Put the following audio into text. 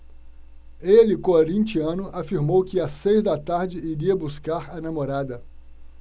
ele corintiano afirmou que às seis da tarde iria buscar a namorada